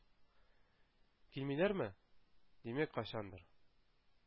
Килмиләрме? Димәк, кайчандыр